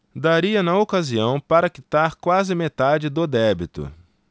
daria na ocasião para quitar quase metade do débito